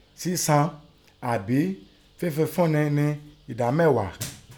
Sínsàn àbí Fẹ́fúnni nẹ́ ẹ̀dámẹ̀ghá.